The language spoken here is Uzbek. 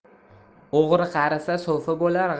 o'g'ri qarisa so'fi bo'lar